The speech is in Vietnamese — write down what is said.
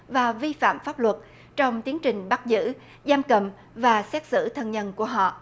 và vi phạm pháp luật trong tiến trình bắt giữ giam cầm và xét xử thân nhân của họ